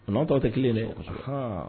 O n'an tɔ tɛ kelen ye dɛ! Kosɛbɛ, kosɛbɛ; Ɔnhɔn.